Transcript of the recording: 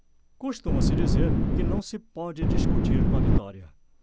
costuma-se dizer que não se pode discutir com a vitória